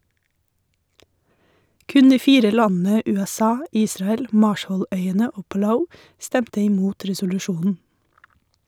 Kun de fire landene USA, Israel, Marshalløyene og Palau stemte imot resolusjonen.